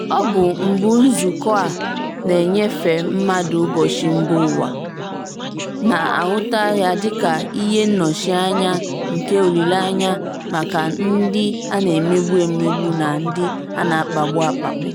Ọ bụ mbụ nzukọ a na-enyefe mmadụ ụbọchị mbaụwa, na-ahụta ya dịka ihe nnọchianya nke olileanya maka ndị a na-emegbu emegbu na ndị a na-akpagbu akpagbu.